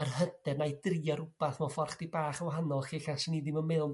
yr hyder 'na' i drio r'wbath mewn ffor' 'ch'dig bach yn wahanol 'lly 'lla' swn ni ddim yn meddwl